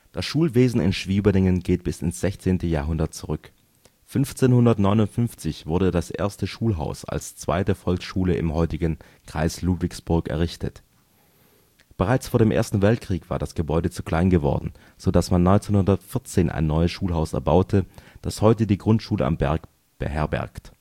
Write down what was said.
Das Schulwesen in Schwieberdingen geht bis ins 16. Jahrhundert zurück. 1559 wurde das alte Schulhaus als zweite Volksschule im heutigen Kreis Ludwigsburg errichtet. Bereits vor dem Ersten Weltkrieg war das Gebäude zu klein geworden, sodass man 1914 ein neues Schulhaus erbaute, das heute die Grundschule am Berg beherbergt